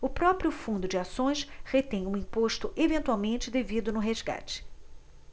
o próprio fundo de ações retém o imposto eventualmente devido no resgate